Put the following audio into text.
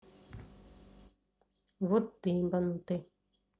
вот ты ебанутый